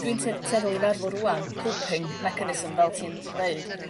Dwi'n t- tueddol i feddwl rŵan coping mechanism fel ti'n ddeud